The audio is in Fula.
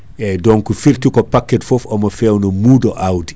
eyyi donc firti ko paquet foof omo fewna muudo awdi